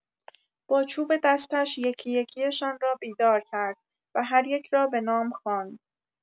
با چوب دستش یکی یکی‌شان را بیدار کرد و هر یک را به نام خواند.